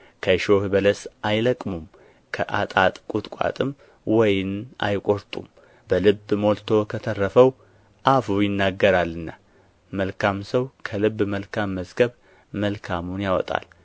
ከእሾህ በለስ አይለቅሙም ከአጣጥ ቍጥቋጦም ወይን አይቈርጡም በልብ ሞልቶ ከተረፈው አፉ ይናገራልና መልካም ሰው ከልብ መልካም መዝገብ መልካሙን ያወጣል